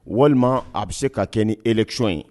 Walima a bɛ se ka kɛ ni ec ye